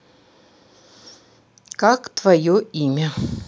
как твое имя